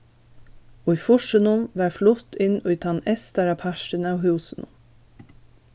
í fýrsunum varð flutt inn í tann eystara partin av húsinum